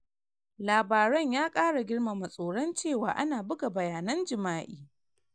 Labaren ya kara girmama tsoron cewa ana buga bayanan jima'i.